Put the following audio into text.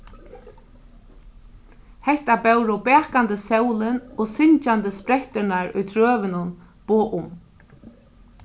hetta bóru bakandi sólin og syngjandi spretturnar í trøunum boð um